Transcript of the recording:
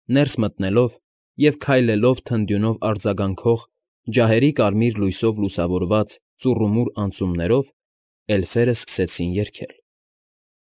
Ներս մտնելով և քայլելով թնդյունով արձագանքող, ջահերի կարմիր լույսով լուսավորված ծուռումուռ անցումներով, էլֆերը սկսեցին երգել։